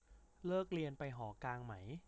เลิกเรียนไปหอกลางมั้ย